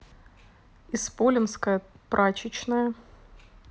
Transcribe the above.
исполинская прачечная